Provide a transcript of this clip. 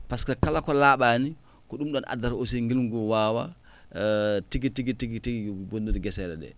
pasque kala ko laaɓaani ko ɗum ɗon addata aussi ngilngu nguu waawa tigi tigi tigi tigi bonnude ngeseele ɗee